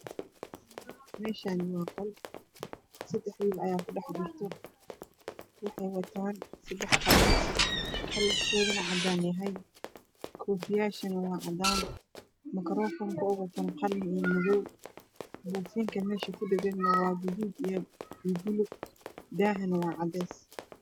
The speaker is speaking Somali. Mashan waa qol sedax will ayaa kudhex jirto waxey watan sedax qamiis kalar kode waa cadan kofiyash waa cadan makarofanken waa qalin iyo madow bufintana waa baluug iyo gadud dahna waa cades